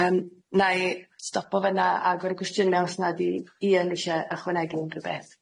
Yym 'na i stopo fy'na a agor i gwestiyne os nad 'dy Ian ishe ychwanegu unrhyw beth.